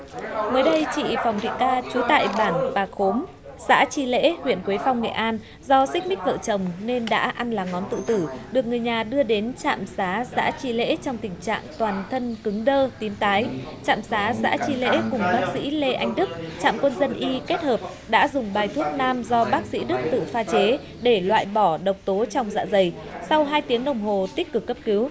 mới đây chị phạm thị ca trú tại bản pà khốm xã tri lễ huyện quế phong nghệ an do xích mích vợ chồng nên đã ăn lá ngón tự tử được người nhà đưa đến trạm xá xã tri lễ trong tình trạng toàn thân cứng đơ tím tái trạm xá xã tri lễ cùng bác sĩ lê anh đức trạm quân dân y kết hợp đã dùng bài thuốc nam do bác sĩ đức tự pha chế để loại bỏ độc tố trong dạ dày sau hai tiếng đồng hồ tích cực cấp cứu